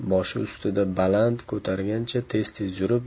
boshi ustida baland ko'targancha tez tez yurib